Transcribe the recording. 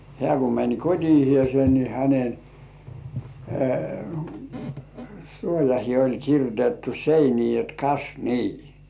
hän kun meni kotiinsa niin hänen suojaansa oli kirjoitettu seiniin jotta kas niin